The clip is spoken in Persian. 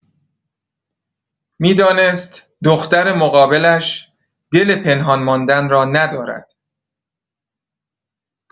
می‌دانست دختر مقابلش دل پنهان ماندن را ندارد.